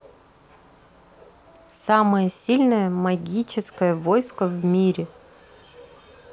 самое сильное магическое войско в мире